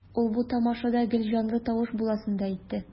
Ул бу тамашада гел җанлы тавыш буласын да әйтте.